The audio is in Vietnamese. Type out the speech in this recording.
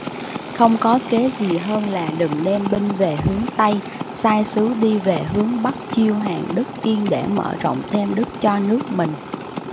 không có kế gì hơn là đừng đem binh về hướng tây sai sứ đi về hướng bắc chiêu hàng đất yên để mở rộng thêm đất cho nước mình